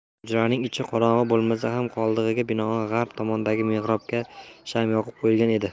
hujraning ichi qorong'i bo'lmasa ham qoidaga binoan g'arb tomonidagi mehrobga sham yoqib qo'yilgan edi